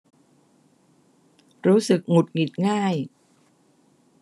รู้สึกหงุดหงิดง่าย